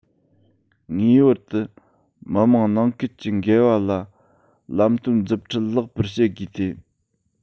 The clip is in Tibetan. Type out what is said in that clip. ངེས པར དུ མི དམངས ནང ཁུལ གྱི འགལ བ ལ ལམ སྟོན མཛུབ ཁྲིད ལེགས པར བྱེད དགོས ཏེ